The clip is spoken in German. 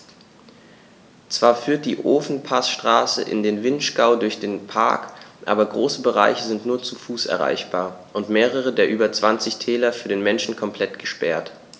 Zwar führt die Ofenpassstraße in den Vinschgau durch den Park, aber große Bereiche sind nur zu Fuß erreichbar und mehrere der über 20 Täler für den Menschen komplett gesperrt.